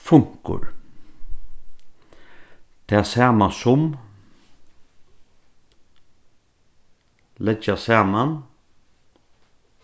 funkur tað sama sum leggja saman